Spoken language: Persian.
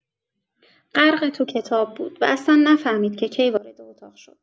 غرقه تو کتاب بود و اصلا نفهمید که کی وارد اتاق شد.